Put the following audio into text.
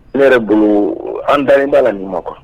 Ne yɛrɛ bolo, an dalen b'a la ni ma quoi